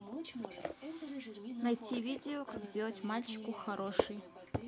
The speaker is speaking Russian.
найти видео как сделать мальчику хороший